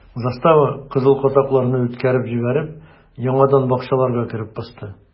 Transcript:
Застава, кызыл казакларны үткәреп җибәреп, яңадан бакчаларга кереп посты.